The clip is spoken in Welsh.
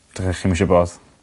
dydych chi 'im isie bodd.